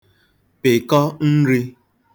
pị̀kọ nrī